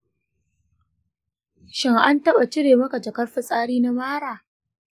shin antaba cire maka jakar fitsari na mara?